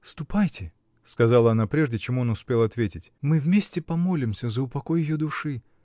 )-- Ступайте, -- сказала она прежде, чем он успел ответить, -- мы вместе помолимся за упокой ее души.